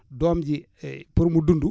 doom ji pour mu dund